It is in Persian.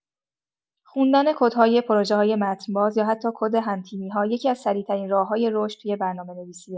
خوندن کدهای پروژه‌های متن‌باز یا حتی کد هم‌تیمی‌ها، یکی‌از سریع‌ترین راه‌های رشد توی برنامه‌نویسیه.